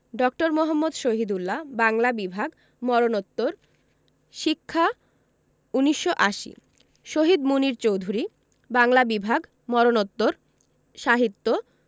ড. মুহম্মদ শহীদুল্লাহ বাংলা বিভাগ মরণোত্তর শিক্ষা ১৯৮০ শহীদ মুনীর চৌধুরী বাংলা বিভাগ মরণোত্তর সাহিত্য